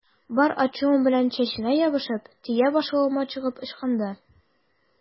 Бар ачуым белән чәченә ябышып, төя башлавыма чыгып ычкынды.